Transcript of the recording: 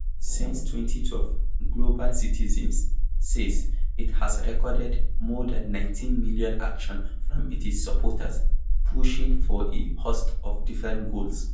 Since 2011, Global Citizen says it has recorded more than 19 million "actions" from its supporters, pushing for a host of different goals.